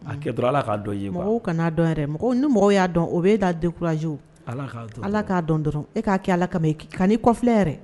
A dɔrɔn ala o kana n'a dɔn yɛrɛ mɔgɔ ni mɔgɔ y'a dɔn o bɛ e' dekuraz ala k'a dɔn dɔrɔn e k'a kɛ ala kama ka'i kɔfi yɛrɛ